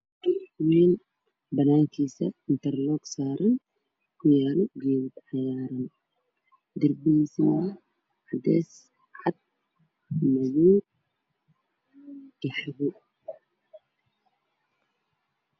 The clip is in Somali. Carruur ayaa darbiga saaran waxayna ku ciyaareen ula tarbiyadu tusaaran ayey ku ciyaarayaan carruurtaas